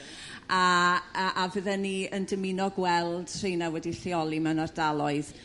A a a fydden i yn dymuno gweld rheina wedi'i lleoli mewn ardaloedd